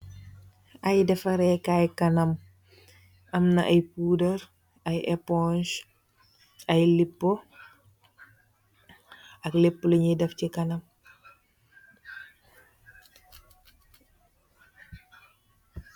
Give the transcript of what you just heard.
Aye deffare kaye kanam amnah aye pudar ak aye eposs amb leppou lou nyoye deff ci kanam